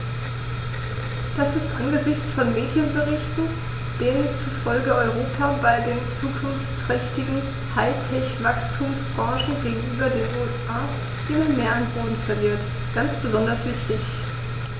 Das ist angesichts von Medienberichten, denen zufolge Europa bei den zukunftsträchtigen High-Tech-Wachstumsbranchen gegenüber den USA immer mehr an Boden verliert, ganz besonders wichtig.